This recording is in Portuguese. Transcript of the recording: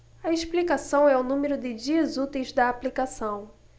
a explicação é o número de dias úteis da aplicação